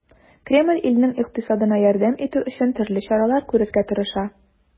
Кремль илнең икътисадына ярдәм итү өчен төрле чаралар күрергә тырыша.